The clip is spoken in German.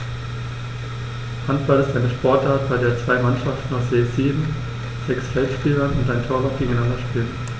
Handball ist eine Sportart, bei der zwei Mannschaften aus je sieben Spielern (sechs Feldspieler und ein Torwart) gegeneinander spielen.